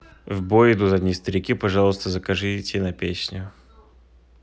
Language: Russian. в бой идут одни старики пожалуйста закажите на песню